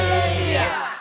mặt